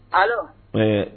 Ala mun